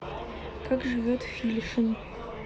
как живет фильшин